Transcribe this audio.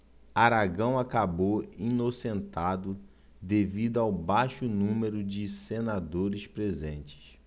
aragão acabou inocentado devido ao baixo número de senadores presentes